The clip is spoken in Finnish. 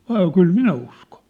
oli kyllä minä uskon